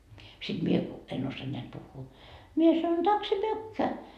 sitten minä kun en osaa näet puhua minä sanon tack så mycket